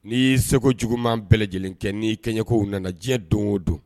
N' ye segu juguman bɛɛ lajɛlen kɛ n'i kɛɲɛkow nana diɲɛ don o don